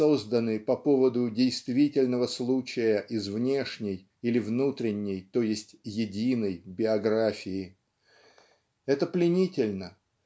созданы по поводу действительного случая из внешней или внутренней т. е. единой, биографии. Это пленительно.